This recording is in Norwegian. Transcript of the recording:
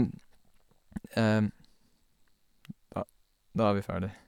da Da er vi ferdig.